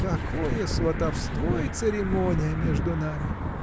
Какое сватовство и церемония между нами!